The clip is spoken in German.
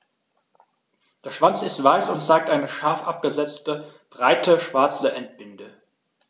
Der Schwanz ist weiß und zeigt eine scharf abgesetzte, breite schwarze Endbinde.